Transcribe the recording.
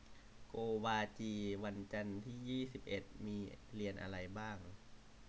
โกวาจีวันจันทร์ที่ยี่สิบเอ็ดมีเรียนอะไรบ้าง